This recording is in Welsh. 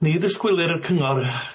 Ni ddisgwylir y cyngor ga-